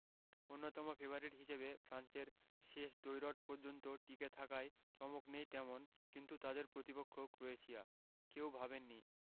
অন্যতম ফেভারিট হিসেবে ফ্রান্সের শেষ দ্বৈরথ পর্যন্ত টিকে থাকায় চমক নেই তেমন কিন্তু তাদের প্রতিপক্ষ ক্রোয়েশিয়া কেউ ভাবেননি